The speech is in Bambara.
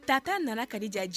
Ta' nana ka jaabiji